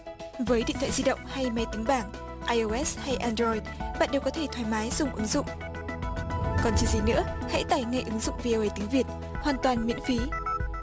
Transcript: với điện thoại di động hay máy tính bảng ai ô ét hay an đờ roi bạn đều có thể thoải mái dùng ứng dụng còn chờ gì nữa hãy tải ngay ứng dụng vi ô ây tiếng việt hoàn toàn miễn phí